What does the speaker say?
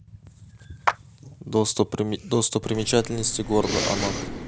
достопримечательности города анапы